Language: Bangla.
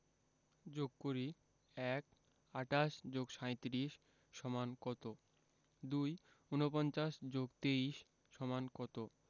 যোগ করিঃ ১ ২৮ + ৩৭ = কত ২ ৪৯ + ২৩ = কত